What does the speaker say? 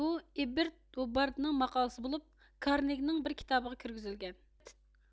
بۇ ئېببېرت ھوبباردنىڭ ماقالىسى بولۇپ كارنىگنىڭ بىر كىتابىغا كىرگۈزۈلگەن